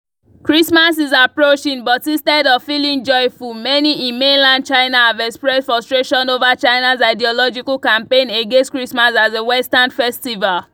Christmas is approaching but instead of feeling joyful, many in mainland China have expressed frustration over China's ideological campaign against Christmas as a Western festival.